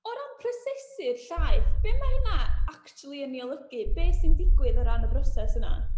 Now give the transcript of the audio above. O ran prosesu'r llaeth, be ma' hynna acshyli yn ei olygu? Be sy'n digwydd o ran y broses yna?